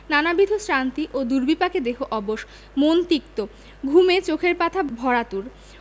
নানাবিধ শ্রান্তি ও দুর্বিপাকে দেহ অবশ মন তিক্ত ঘুমে চোখের পাতা ভরাতুর